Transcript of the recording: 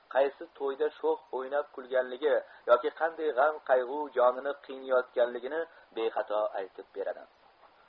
qaysi to'yda sho'x o'ynab kulganligi yoki qanday g'am qayg'u jonini qiynayotganligini bexato aytib beradi